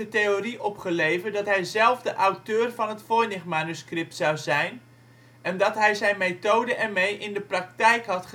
theorie opgeleverd dat hij zelf de auteur van het Voynichmanuscript zou zijn en dat hij zijn methode ermee in de praktijk had